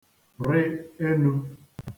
rị enū